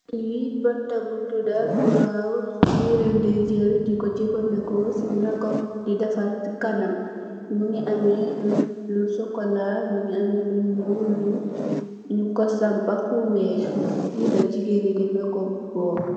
Lee banta bu tuda burawse be lan de jel deku jafaneku se mekup de defarr se kanam muge ameh lu sukola muge ameh lu nuul lu nugku sampa fu weex lela jegain ye de mekup bou.